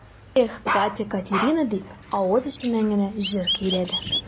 Эх, Катя-Катерина дип, авыз эченнән генә җыр көйләде.